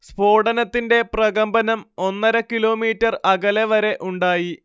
സ്ഫോടനത്തിന്റെ പ്രകമ്പനം ഒന്നര കിലോമീറ്റർ അകലെ വരെ ഉണ്ടായി